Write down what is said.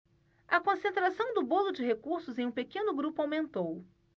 a concentração do bolo de recursos em um pequeno grupo aumentou